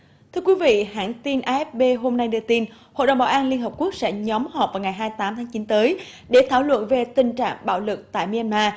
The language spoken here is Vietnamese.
thưa quý vị hãng tin a ép pê hôm nay đưa tin hội đồng bảo an liên hiệp quốc sẽ nhóm họp vào ngày hai tám tháng chín tới để thảo luận về tình trạng bạo lực tại mi an ma